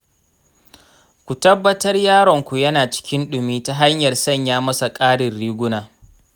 ku tabbatar yaronku yana cikin ɗumi ta hanyar sanya masa ƙarin riguna.